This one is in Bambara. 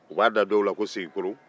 u b'a da dɔw la ko segikolon